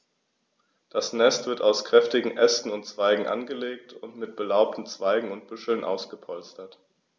Das Nest wird aus kräftigen Ästen und Zweigen angelegt und mit belaubten Zweigen und Büscheln ausgepolstert.